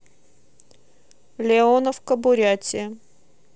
леоновка бурятия